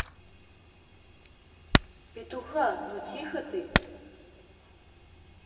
петуха ну тихо ты